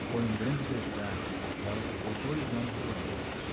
foi um grande desgaste porque ela ficou dois anos doente